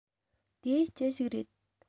དེ ཅི ཞིག རེད